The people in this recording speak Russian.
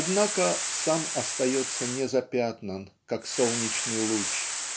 однако сам остается не запятнан, как солнечный луч.